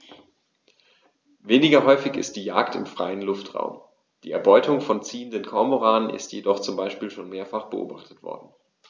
Weniger häufig ist die Jagd im freien Luftraum; die Erbeutung von ziehenden Kormoranen ist jedoch zum Beispiel schon mehrfach beobachtet worden.